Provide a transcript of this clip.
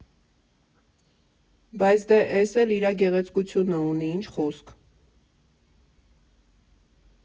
Բայց դե էս էլ իրա գեղեցկությունը ունի, ինչ խոսք»։